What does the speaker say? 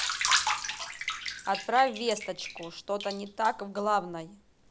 отправь весточку что то не так в главной